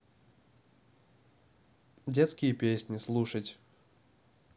детские песни слушать